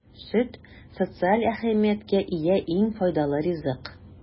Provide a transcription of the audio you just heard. Сөт - социаль әһәмияткә ия иң файдалы ризык.